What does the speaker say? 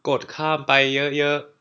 กดข้ามไปเยอะเยอะ